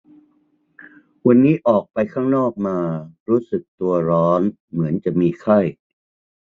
วันนี้ออกไปข้างนอกมารู้สึกตัวร้อนเหมือนจะมีไข้